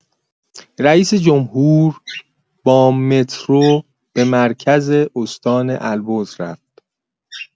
رئیس‌جمهور با مترو به مرکز استان البرز رفت.